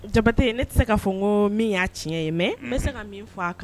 Jabate ne tɛ se' fɔ ko min y'a tiɲɛ ye ne se ka fɔ kan